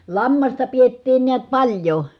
lammasta pidettiin näet paljon